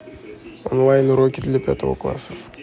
онлайн уроки для пятого класса